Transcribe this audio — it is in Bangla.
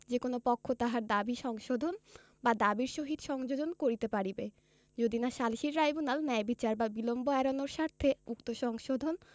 যে কোন পক্ষ তাহার দাবী সংশোধন বা দাবীর সহিত সংযোজন করিতে পারিবে যদি না সালিসী ট্রাইব্যুনাল ন্যায়বিচার বা বিলম্ব এড়ানোর স্বার্থে উক্ত সংশোধন